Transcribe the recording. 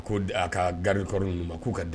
Ko a ka garidi kɔri ninnu ma k'u ka